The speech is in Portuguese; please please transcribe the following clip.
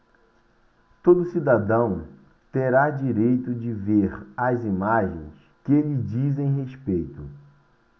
todo cidadão terá direito de ver as imagens que lhe dizem respeito